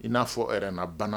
I n'a fɔ rein : na banna